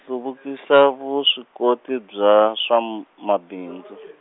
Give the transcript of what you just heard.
hluvukisa vuswikoti bya, swa m- mabindzu.